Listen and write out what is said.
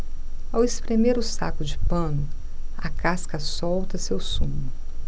ao espremer o saco de pano a casca solta seu sumo